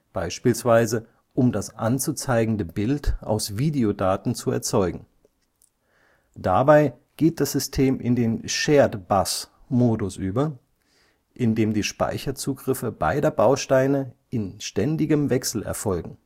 beispielsweise um das anzuzeigende Bild aus Videodaten zu erzeugen. Dabei geht das System in den Shared-Bus-Modus über, in dem die Speicherzugriffe beider Bausteine in ständigem Wechsel erfolgen